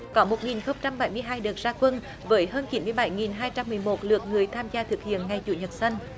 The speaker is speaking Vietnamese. có một nghìn không trăm bảy mươi hai đợt ra quân với hơn chín mươi bảy nghìn hai trăm mười một lượt người tham gia thực hiện ngày chủ nhật xanh